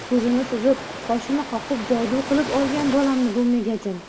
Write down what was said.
ko'zini suzib qoshini qoqib jodu qilib olgan bolamni bu megajin